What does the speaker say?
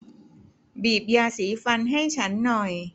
บีบยาสีฟันให้ฉันหน่อย